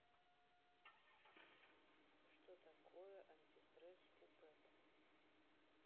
что такое антистресс puppet